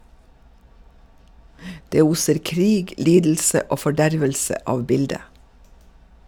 Det oser krig, lidelse og fordervelse av bildet.